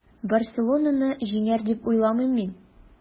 “барселона”ны җиңәр, дип уйламыйм мин.